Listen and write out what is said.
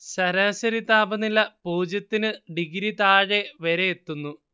ശരാശരി താപനില പൂജ്യത്തിന് ഡിഗ്രി താഴെ വരെയെത്തുന്നു